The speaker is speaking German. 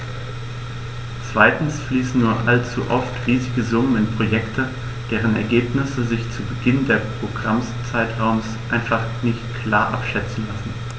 Zweitens fließen nur allzu oft riesige Summen in Projekte, deren Ergebnisse sich zu Beginn des Programmzeitraums einfach noch nicht klar abschätzen lassen.